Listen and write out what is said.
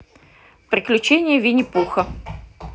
приключения винни пуха